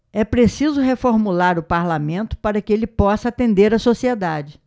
é preciso reformular o parlamento para que ele possa atender a sociedade